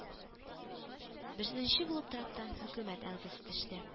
Беренче булып траптан хөкүмәт әгъзасы төште